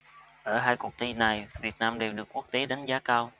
ở hai cuộc thi này việt nam đều được quốc tế đánh giá cao